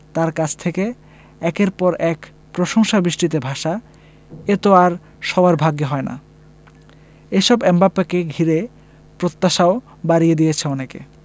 তাঁর কাছ থেকে একের পর এক প্রশংসাবৃষ্টিতে ভাসা এ তো আর সবার ভাগ্যে হয় না এসব এমবাপ্পেকে ঘিরে প্রত্যাশাও বাড়িয়ে দিয়েছে অনেক